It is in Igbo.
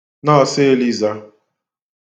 nọọ̄sụ elizā